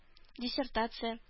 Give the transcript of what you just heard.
Диссертация